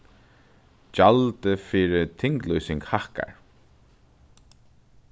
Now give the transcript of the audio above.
gjaldið fyri tinglýsing hækkar